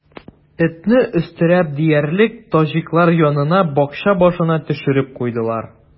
Этне, өстерәп диярлек, таҗиклар янына, бакча башына төшереп куйдылар.